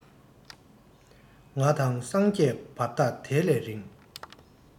ང དང སངས རྒྱས བར ཐག དེ ལས རིང